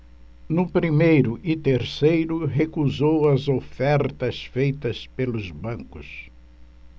no primeiro e terceiro recusou as ofertas feitas pelos bancos